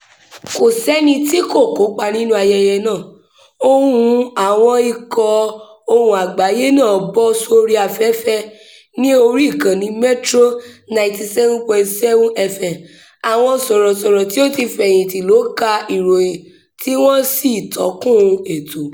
Kò sẹ́ni tí kò kópa nínú ayẹyẹ náà. Ohùn àwọn ikọ̀ Ohùn Àgbáyé náà bọ́ sórí afẹ́fẹ́ ní orí ìkànnì Metro 97.7FM. Àwọn sọ̀rọ̀sọ̀rọ̀ tí ó ti fẹ̀yìntì ló ka ìròyìn tí wọ́n sì tọ́kùn ètò.